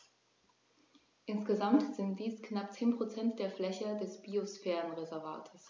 Insgesamt sind dies knapp 10 % der Fläche des Biosphärenreservates.